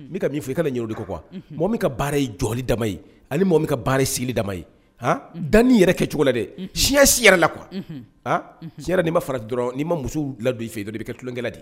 N bɛ ka min fɔ i ka yɛrɛ de kɔ qu kuwa mɔgɔ min ka baara ye jɔli da ye ani mɔgɔ min ka baara ye seli dama ye h dan'i yɛrɛ kɛ cogo la dɛ si si yɛrɛ la qu aa si' ma fara dɔrɔn n'i ma muso ladon i fɛ yen dɔ i bɛ kɛ tulonkɛ de